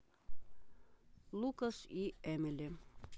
лукас и эмили